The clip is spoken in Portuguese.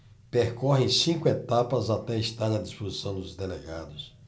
percorrem cinco etapas até estarem à disposição dos delegados